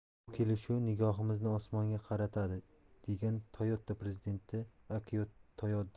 bu kelishuv nigohimizni osmonga qaratadi degan toyota prezidenti akio toyoda